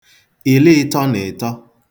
ìliị̄tọ̄ nà ị̀tọ